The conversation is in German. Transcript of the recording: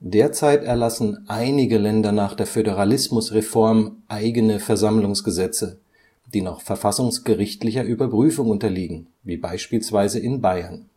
Derzeit erlassen einige Länder nach der Föderalismusreform eigene Versammlungsgesetze, die noch verfassungsgerichtlicher Überprüfung unterliegen wie beispielsweise in Bayern